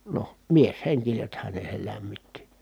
noh mieshenkisethän ne sen lämmitti